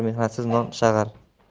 mehnatsiz non zahar